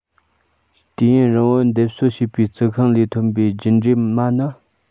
དུས ཡུན རིང པོར འདེབས གསོ བྱས པའི རྩི ཤིང ལས ཐོན པའི རྒྱུད འདྲེས མ ནི